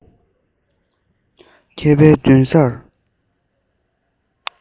མཁས པའི མདུན སར